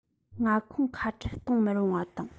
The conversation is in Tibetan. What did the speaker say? མངའ ཁོངས ཁ བྲལ གཏོང མི རུང བ དང